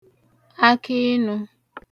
akiinū